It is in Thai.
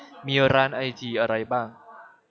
มีร้านไอทีอะไรบ้าง